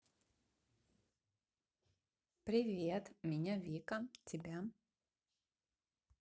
привет меня вика тебя